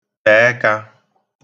tè ẹkā